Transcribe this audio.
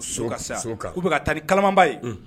So ka bɛ ka taa ni kalamanba ye